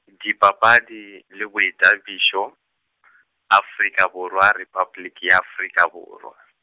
Dipapadi le Boitapišo , Afrika Borwa Repabliki ya Afrika Borwa.